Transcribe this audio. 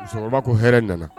Musokɔrɔba ko h hɛrɛ n nanaana